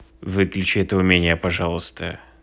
выключи это умение пожалуйста